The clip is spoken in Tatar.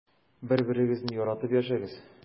Бер-берегезне яратып яшәгез.